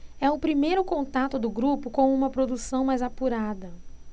é o primeiro contato do grupo com uma produção mais apurada